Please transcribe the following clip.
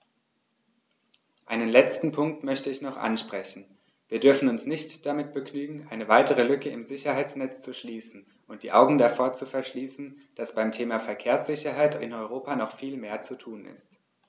Einen letzten Punkt möchte ich noch ansprechen: Wir dürfen uns nicht damit begnügen, eine weitere Lücke im Sicherheitsnetz zu schließen und die Augen davor zu verschließen, dass beim Thema Verkehrssicherheit in Europa noch viel mehr zu tun ist.